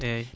eyyi